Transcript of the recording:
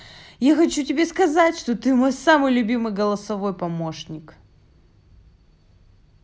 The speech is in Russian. я хочу тебе сказать что ты мой самый любимый голосовой помощник